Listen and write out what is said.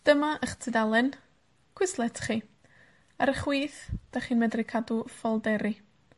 Dyma 'ych tudalen Quizlet chi. Ar y chwith, 'dach chi'n medru cadw ffolderi.